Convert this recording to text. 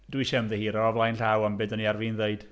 Dwi isie ymddiheuro o flaen llaw am be dan ni ar fin ddeud.